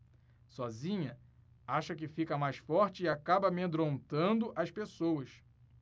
sozinha acha que fica mais forte e acaba amedrontando as pessoas